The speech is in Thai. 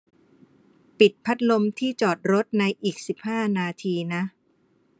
ปิดพัดลมที่จอดรถในอีกสิบห้านาทีนะ